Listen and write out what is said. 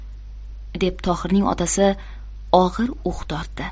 deb tohirning otasi og'ir ux tortdi